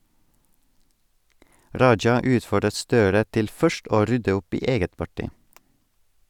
Raja utfordret Støre til først å rydde opp i eget parti.